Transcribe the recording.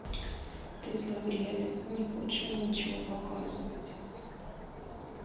ты зловреда не хочешь мне ничего показывать